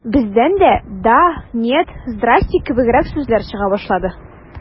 Бездән дә «да», «нет», «здрасте» кебегрәк сүзләр чыга башлады.